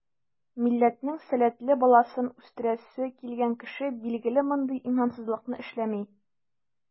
Милләтнең сәләтле баласын үстерәсе килгән кеше, билгеле, мондый имансызлыкны эшләми.